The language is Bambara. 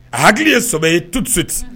A hakili ye saba ye tututi